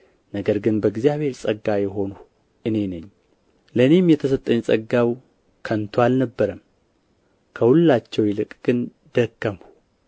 ነገር ግን በእግዚአብሔር ጸጋ የሆንሁ እኔ ነኝ ለእኔም የተሰጠኝ ጸጋው ከንቱ አልነበረም ከሁላቸው ይልቅ ግን ደከምሁ